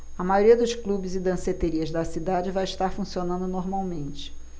a maioria dos clubes e danceterias da cidade vai estar funcionando normalmente